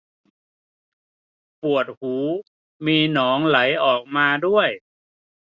ปวดหูมีหนองไหลออกมาด้วย